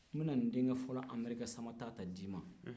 n bɛna n denkɛ fɔlɔ amerikɛnsamatata d'i ma